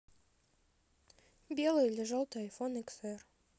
белый или желтый айфон икс эр